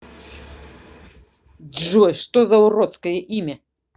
джой что за уродское имя